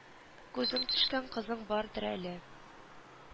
Күзең төшкән кызың бардыр әле